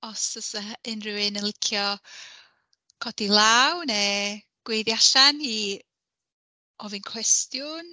Os fysa unrhyw un yn licio codi ei law neu gweiddi allan i ofyn cwestiwn.